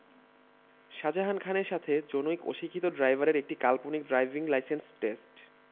শাজাহান খানের সাথে জনৈক অশিক্ষিত ড্রাইভারের একটি কাল্পনিক ড্রাইভিং লাইসেন্স টেস্ট